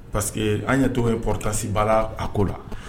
Parceseke an ɲɛ to ye ptasiba a ko la